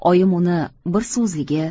oyim uni bir so'zligi